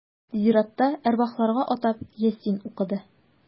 Зиратта әрвахларга атап Ясин укыды.